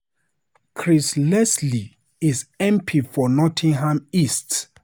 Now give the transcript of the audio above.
Chris Leslie is MP for Nottingham East